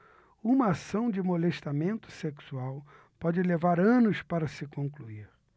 uma ação de molestamento sexual pode levar anos para se concluir